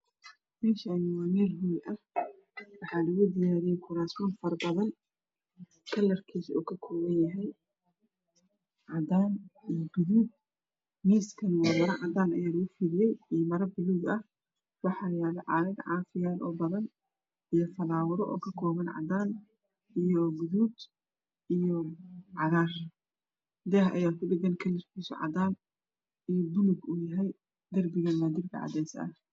Meeshani waa meel guri ah waxaana hoyaalo kurasyo fara badan kalarkiisu uu ka kabo yahay cadaan iyo gudud miiskan maro cadaan ah iyo maro gududan ah waxaa yaalo caaga caafi ah oo badn iyo falawaro oo kakooban cadaan hurud cagaar daah ayaa kudhagan kalarkiisu cadaan iyo bulug yahy